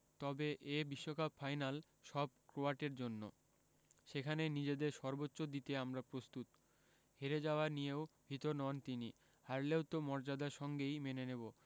তবে এ বিশ্বকাপ ফাইনাল সব ক্রোয়াটের জন্য সেখানে নিজেদের সর্বোচ্চ দিতে আমরা প্রস্তুত হেরে যাওয়া নিয়েও ভীত নন তিনি হারলেও তা মর্যাদার সঙ্গেই মেনে নেব